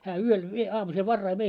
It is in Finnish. hän yöllä vie aamusella varhain vei